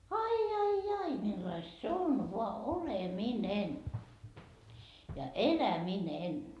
ai ai ai millaista se on vain oleminen ja eläminen